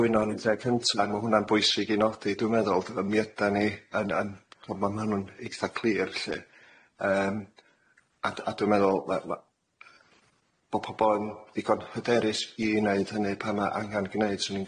gwyno yn y lle cynta a ma' hwnna'n bwysig i nodi dwi'n meddwl d- y mi ydan ni yn yn wel ma' ma' nw'n eitha clir lly yym a d- a dwi'n meddwl ma' ma' bo' pobol yn ddigon hyderus i neud hynny pan ma' angan gneud so o'n i'n